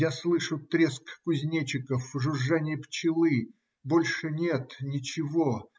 Я слышу треск кузнечиков, жужжание пчелы. Больше нет ничего.